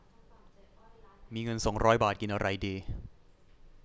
มีเงินสองร้อยบาทกินอะไรดี